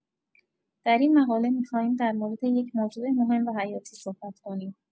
در این مقاله می‌خواهیم در مورد یک موضوع مهم و حیاتی صحبت کنیم.